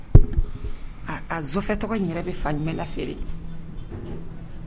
A ka sofɛ tɔgɔ yɛrɛ bɛ fala feere